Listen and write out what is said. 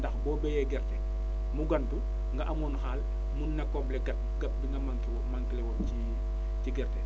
ndax boo béyee gezrte mu gantu nga amoon xaal mun na combler gab bi nga manqué woon manqué woon ci ci gerte